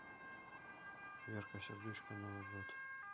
верка сердючка новый год